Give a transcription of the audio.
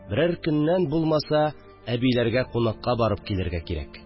Берәр көннән, булмаса, әбиләргә кунакка барып килергә кирәк